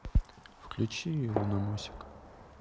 включи луномосик